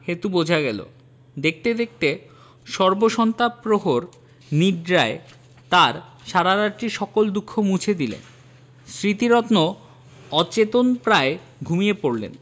হেতু বোঝা গেল দেখতে দেখতে সর্বসন্তাপহর নিদ্রায় তাঁর সারারাত্রির সকল দুঃখ মুছে দিলে স্মৃতিরত্ন অচেতনপ্রায় ঘুমিয়ে পড়লেন